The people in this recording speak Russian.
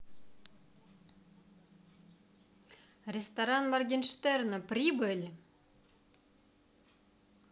ресторан моргенштерна прибыль